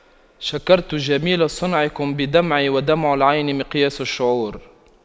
شكرت جميل صنعكم بدمعي ودمع العين مقياس الشعور